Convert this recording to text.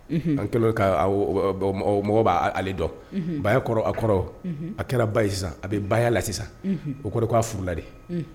Unhun, an kɛ n bɛ ka, mɔgɔw b'ale dɔn, unhun, baya kɔrɔ a kɔrɔ, unhun, a kɛra ba sisan a bɛ baya la sisan, unhun, o kɔrɔ ye k' a furula de